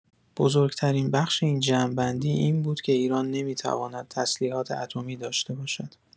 بزرگ‌ترین بخش این جمع‌بندی این بود که ایران نمی‌تواند تسلیحات اتمی داشته باشد.